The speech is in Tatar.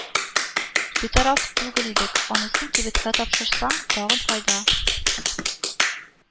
Битараф түгел идек, анысын кибеткә тапшырсаң, тагын файда